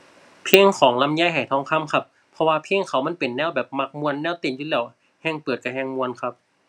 เพลงของลำไย ไหทองคำ ครับ เพราะว่าเพลงเขามันเป็นแนวแบบมักม่วน แนวเต้นอยู่แล้ว แฮ่งเปิดก็แฮ่งม่วนครับ